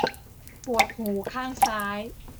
ปวดหูข้างซ้าย